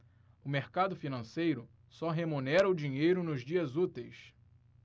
o mercado financeiro só remunera o dinheiro nos dias úteis